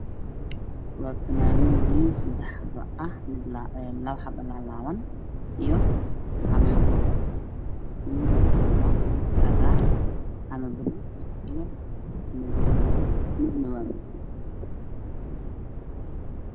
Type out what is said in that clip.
Meeshaan waxaa iiga muuqda fanaanad dul saaran miis waa midafkeedu yahay buluu miiska midabkiisa waa caddaan